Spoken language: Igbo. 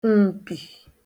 m̀pì